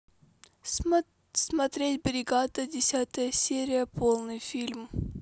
смотреть бригада десятая серия полный фильм